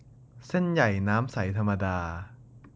เส้นใหญ่น้ำใสธรรมดา